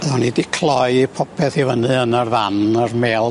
Oddwn i 'di cloi popeth i fyny yn yr fan yr mêl.